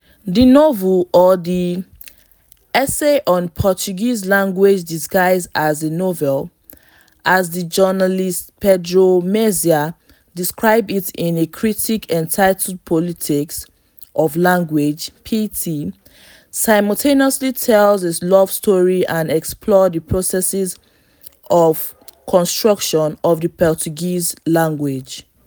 The novel – or the “essay on the Portuguese language disguised as a novel”, as the journalist Pedro Mexia describes it in a critique entitled Politics of Language [pt] – simultaneously tells a love story and explores the processes of construction of the Portuguese language.